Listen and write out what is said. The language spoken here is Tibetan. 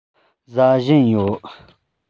ཟ བཞིན ཡོད